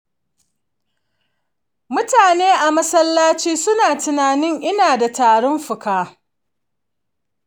mutane a masallaci suna tunanin ina da tarin fuka.